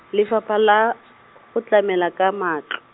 Lefapha la, go Tlamela ka Matlo.